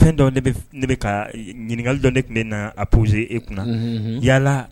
fɛn dɔɔ ne bɛ f ne bɛ kaa e ɲininkali dɔ ne tun be naa a poser e kunna unhun unhun yala